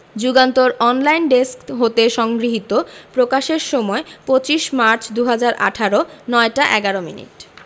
Jugantor online desk হতে সংগৃহীত প্রকাশের সময় ২৫ মার্চ ২০১৮ ০৯ টা ১১ মিনিট